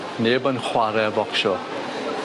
Neb yn chware bocsio.